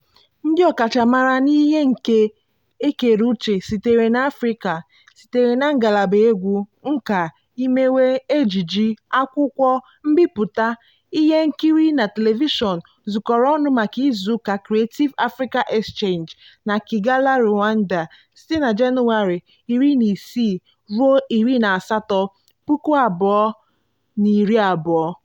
Ndị ọkachamara n'ihe nka ekere uche sitere na Afrịka sitere na ngalaba egwu, nka, imewe, ejiji, akwụkwọ, mbipụta, ihe nkiri na telivishọn zukọrọ ọnụ maka izu ụka Creative Africa Exchange na Kigali, Rwanda, site na Jenụwarị 16 ruo 18, 2020.